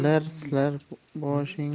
erlar silar boshingni